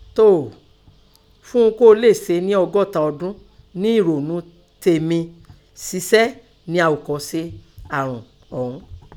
Tóò, fún hun kọ́ lé nẹ ọgọ́ta ọdún nẹ erònú tẹ mí sisẹ́ ńnú àòkọ́ṣe àrùn ọ̀ún.